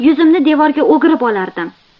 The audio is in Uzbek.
yuzimni devorga o'girib olardim